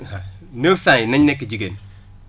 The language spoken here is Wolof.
waaw neuf cent yi nañ nekk jigéen